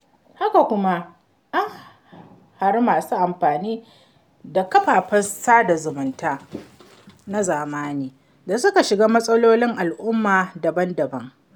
Haka kuma, an hari masu amfani da kafafen sada zumunta na zamani da suka shiga mas'alolin al'umma daban-daban.